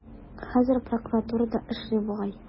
Хәзер прокуратурада эшли бугай.